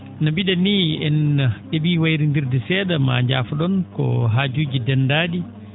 no mbii?en nii en ?e?ii wayronndirde see?a maa njaafo?on ko haajuuji ndenndaa?i